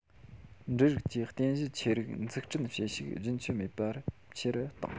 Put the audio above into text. འབྲུ རིགས ཀྱི རྟེན གཞི ཆེ རིགས འཛུགས སྐྲུན བྱེད ཤུགས རྒྱུན ཆད མེད པར ཆེ རུ བཏང